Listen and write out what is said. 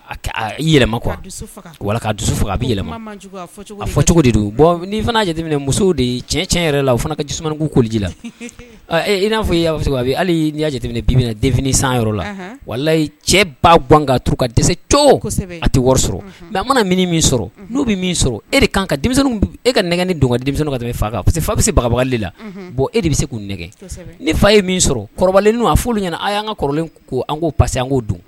Yɛlɛma kuwa wala ka dusu fo a bɛ yɛlɛma a fɔ cogo de don bɔn n'i fana' jate muso de cɛn tiɲɛ yɛrɛ la o fana ka dusu' kodi la i n'a fɔ a bɛ hali'i yaa jate binmina den sanyɔrɔ la walayi cɛ ba gan ka t ka dɛsɛ cogo a tɛ wari sɔrɔ mɛ a mana mini min sɔrɔ n'u bɛ sɔrɔ e de kan ka e ka nɛgɛ ni don ka denmisɛnnin ka tɛmɛ faa kan pa parceseke fa bɛ se baba la bon e de bɛ se k'u nɛgɛ ni fa ye min sɔrɔ kɔrɔlen a' olu ɲɛna aw y'an ka kɔrɔlen ko ko parce que an koo don